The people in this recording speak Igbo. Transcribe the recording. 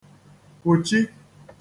kwùchi